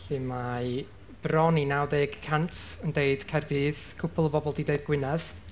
Felly mae bron i naw deg y cant yn deud Caerdydd. Cwpl o bobl 'di deud Gwynedd.